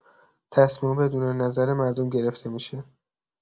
تصمیما بدون نظر مردم گرفته می‌شه.